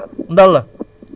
Ndola